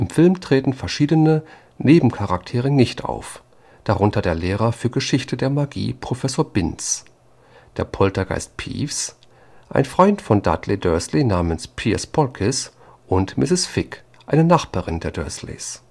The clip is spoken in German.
Film treten verschiedene Nebencharaktere nicht auf, darunter der Lehrer für Geschichte der Magie Professor Binns, der Poltergeist Peeves, ein Freund von Dudley Dursley namens Piers Polkiss und Mrs. Figg, eine Nachbarin der Dursleys